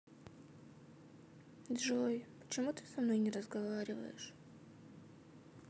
джой почему ты со мной не разговариваешь